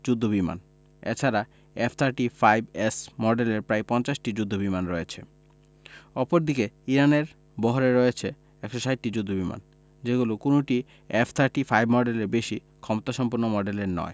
যুদ্ধবিমান এ ছাড়া এফ থার্টি ফাইভ এস মডেলের প্রায় ৫০টি যুদ্ধবিমান রয়েছে অপরদিকে ইরানের বহরে রয়েছে ১৬০টি যুদ্ধবিমান এগুলোর কোনোটিই এফ থার্টি ফাইভ মডেলের বেশি ক্ষমতাসম্পন্ন মডেলের নয়